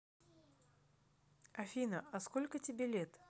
афина а сколько тебе лет